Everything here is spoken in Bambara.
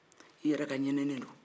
i yɛrɛ ka ɲininen don